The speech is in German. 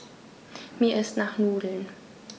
Mir ist nach Nudeln.